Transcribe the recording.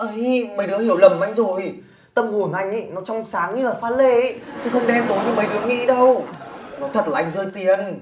ấy mấy đứa hiểu lầm anh rồi tâm hồn anh nó trong sáng như là pha lê ý chứ không đen tối như mấy đứa nghĩ đâu nói thật là anh rơi tiền